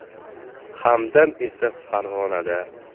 hamdam esa farg'onada